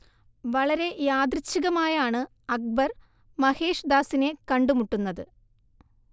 വളരെ യാദൃച്ഛികമായാണ് അക്ബർ മഹേഷ് ദാസിനെ കണ്ടുമുട്ടുന്നത്